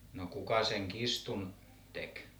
no kuka sen kirstun teki